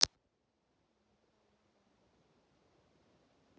акула мегалодон